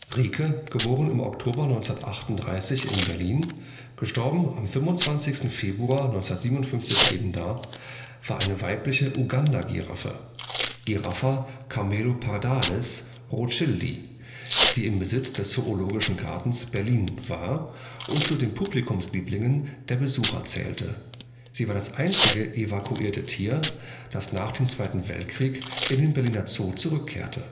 Rieke (* Oktober 1938 in Berlin; † 25. Februar 1957 ebenda) war eine weibliche Uganda-Giraffe (Giraffa camelopardalis rothschildi), die im Besitz des Zoologischen Gartens Berlin war und zu den Publikumslieblingen der Besucher zählte. Sie war das einzige evakuierte Tier, das nach dem Zweiten Weltkrieg in den Berliner Zoo zurückkehrte